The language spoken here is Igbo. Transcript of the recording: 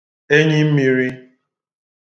enyimmīrī